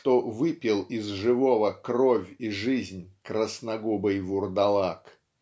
что выпил из живого кровь и жизнь красногубый вурдалак.